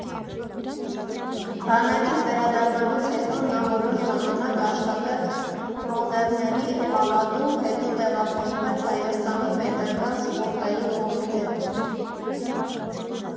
Բանակից վերադառնալուց հետո նա որոշ ժամանակ աշխատեց Պիոներների պալատում, հետո տեղափոխվեց Հայաստանի Պետական սպորտային կոմիտե։